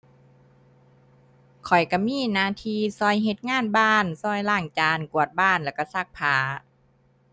ข้อยก็มีหน้าที่ก็เฮ็ดงานบ้าน ก็ล้างจาน กวาดบ้าน แล้วก็ซักผ้า